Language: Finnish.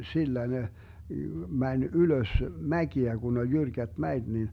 sillä ne meni ylös mäkiä kun oli jyrkät mäet niin